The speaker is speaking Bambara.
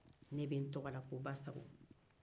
ne bɛ n tɔgɔ da ko basago